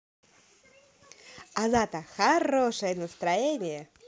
азата хорошее настроение